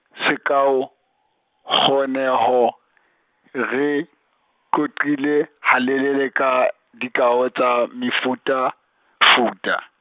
sekaokgoneho, re qoqile halelele ka dikao tsa mefutafuta.